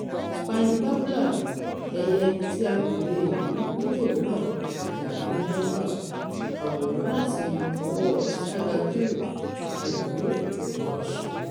Spiny Babbler, ẹyẹ tí a kò le è rí níbòmìrán àyàfi ní Nepal. Àwòrán láti ọwọ́ọ Sagar Giri. A lò ó pẹ̀lú àṣẹ.